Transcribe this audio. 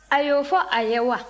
a y'o fɔ a ye wa